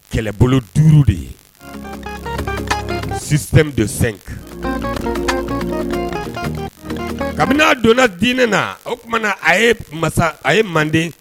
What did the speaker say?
Kɛlɛbolo duuru de ye sisan donsen kabini aa donna dinɛ na o t na a ye masa a ye mande